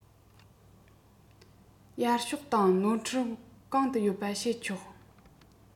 མར ཤོག དང ནོར འཁྲུལ གང དུ ཡོད པ བཤད ཆོག